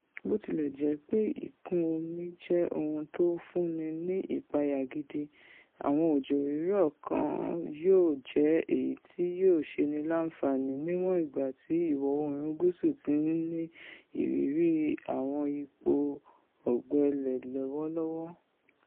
bó tilẹ̀ jẹ́ pé ìkùn-omi jẹ ohun tó fúnni ní ìpayà gidi, àwọn òjò-rírọ̀ kan yóò jẹ́ èyití yóò ṣeni láǹfààní níwọ̀n ìgbà tí Ìwọ̀-oòrùn gúúsù ti ń ní ìrírí àwọn ipò ọ̀gbẹlẹ̀ lọ́wọ́lọ́wọ́.